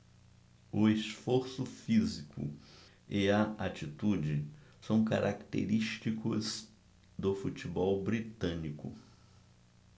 o esforço físico e a atitude são característicos do futebol britânico